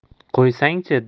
qo'ysang chi dedim